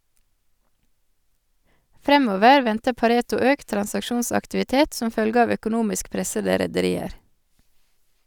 Fremover venter Pareto økt transaksjonsaktivitet som følge av økonomisk pressede rederier.